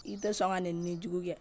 n tɛ sɔn ka neninijugu kɛ